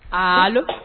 Aallo!